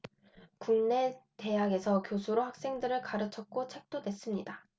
국내 대학에서 교수로 학생들을 가르쳤고 책도 냈습니다